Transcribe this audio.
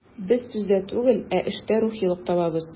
Без сүздә түгел, ә эштә рухилык табабыз.